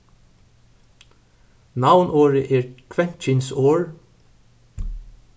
navnorðið er kvennkynsorð